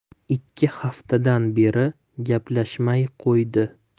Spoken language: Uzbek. ikki haftadan beri gaplashmay qo'ydi